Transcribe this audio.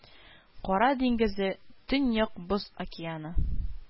Кара диңгезе, Төньяк Боз океаны